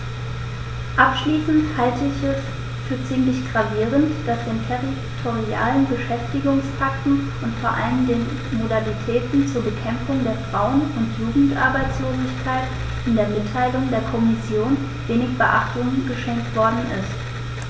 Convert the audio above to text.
Abschließend halte ich es für ziemlich gravierend, dass den territorialen Beschäftigungspakten und vor allem den Modalitäten zur Bekämpfung der Frauen- und Jugendarbeitslosigkeit in der Mitteilung der Kommission wenig Beachtung geschenkt worden ist.